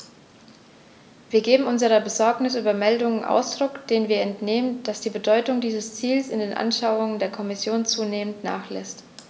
Wir geben unserer Besorgnis über Meldungen Ausdruck, denen wir entnehmen, dass die Bedeutung dieses Ziels in den Anschauungen der Kommission zunehmend nachlässt.